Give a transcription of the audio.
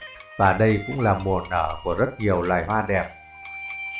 và đây cũng là mùa nở của rất nhiều loài hoa đẹp